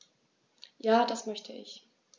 Ja, das möchte ich.